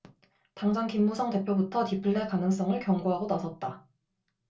당장 김무성 대표부터 디플레 가능성을 경고하고 나섰다